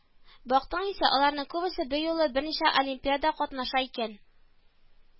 Бактың исә, аларның күбесе берьюлы берничә олимпиада катнаша икән